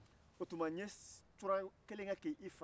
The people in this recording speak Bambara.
o tuma n ye tura kelen kɛ k'i fana